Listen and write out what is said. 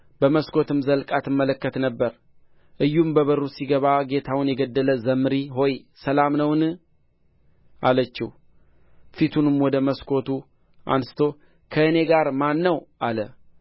በመስኮትም ዘልቃ ትመለከት ነበር ኢዩም በበሩ ሲገባ ጌታውን የገደለ ዘምሪ ሆይ ሰላም ነውን አለችው ፊቱንም ወደ መስኮቱ አንሥቶ ከእኔ ጋር ማን ነው አለ